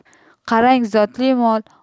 qarang zotli mol